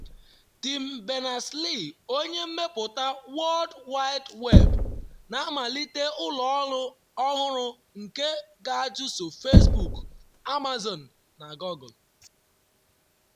Tim Berners-Lee, onye mmepụta World Wide Web, na-amalite ụlọ ọrụ ọhụrụ nke ga-achụso Facebook, Amazon na Google.